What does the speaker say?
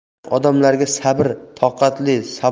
tarix odamlarga sabr toqatli saboq